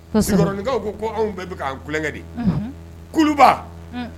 Sigiyɔrɔinkaw ko ko anw bɛɛ bɛ an kukɛ de kuba